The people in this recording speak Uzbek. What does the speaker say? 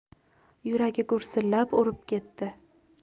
yuragi gursillab urib ketdi